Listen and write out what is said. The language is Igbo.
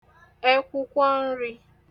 ẹkwụkwọ nrī